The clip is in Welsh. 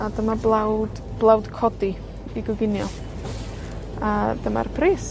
a dyma blawd, blawd, codi i goginio a dyma'r bris.